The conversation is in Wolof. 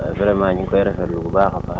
vraiment ñu ngi koy rafetlu bu baax a baax